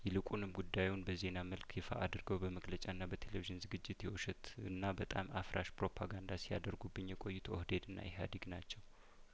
ይልቁንም ጉዳዩን በዜና መልክ ይፋ አድርገው በመግለጫና በቴሌቪዥን ዝግጅት የውሸት እና በጣም አፍራሽ ፕሮፓጋንዳ ሲያደርጉብኝ የቆዩት ኦህዴድና ኢህአዴግ ናቸው